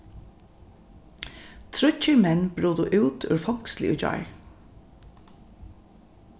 tríggir menn brutu út úr fongsli í gjár